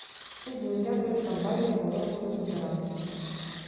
Су буенда бер комбайнер балык тотып утыра.